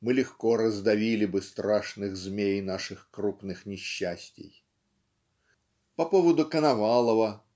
мы легко раздавили бы страшных змей наших крупных несчастий"! По поводу Коновалова